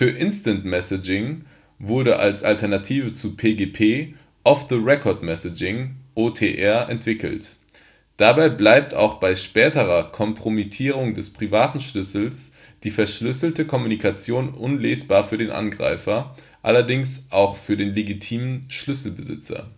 Instant Messaging wurde als Alternative zu PGP Off-the-Record Messaging (OTR) entwickelt; dabei bleibt auch bei späterer Kompromittierung des privaten Schlüssels die verschlüsselte Kommunikation unlesbar für den Angreifer (allerdings auch für den legitimen Schlüsselbesitzer